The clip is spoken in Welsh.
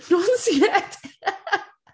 Nonsiedig?